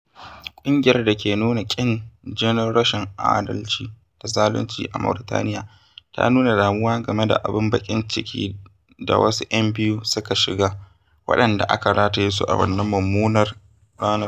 ƙungiyar da ke nuna ƙin jinin rashin adalci da zalunci a Mauritaniya ta nuna damuwa game da abin baƙin cikin da wasu 'yan biyu suka shiga waɗanda aka rataye su a wannan mummunar ranar: